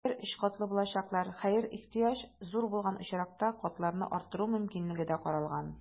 Өйләр өч катлы булачаклар, хәер, ихтыяҗ зур булган очракта, катларны арттыру мөмкинлеге дә каралган.